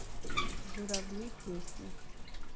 журавли песня